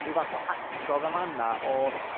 rhyw fath o atgof yn fan 'na o